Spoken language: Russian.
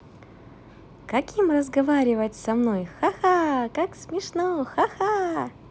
каким разговаривать со мной хаха как смешно ха